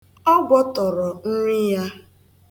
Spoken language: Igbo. Ọ gwọtọrọ nri ya.